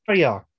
Joio.